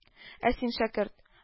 Ә син, шәкерт